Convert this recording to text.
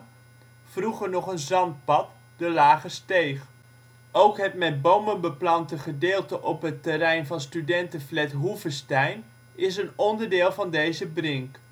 vroeger nog een zandpad, de Lage Steeg. Ook het met bomen beplante gedeelte op het terrein van studentenflat Hoevestein is een onderdeel van deze brink